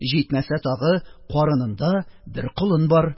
Җитмәсә тагы карынында бер колын бар!!